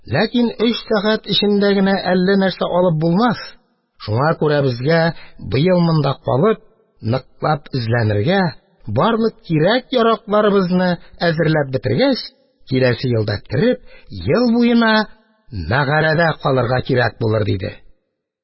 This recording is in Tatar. Ләкин өч сәгать эчендә генә әллә нәрсә алып булмас, шуңа күрә безгә, быел монда калып, ныклап эзләнергә, барлык кирәк-яракларыбызны әзерләп бетергәч, киләсе елда кереп, ел буена мәгарәдә калырга кирәк булыр, – диде.